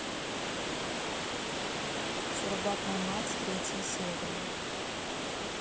суррогатная мать третья серия